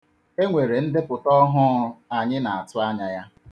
E nwere ndepụta ọhụrụ anyị na-atụ anya ya.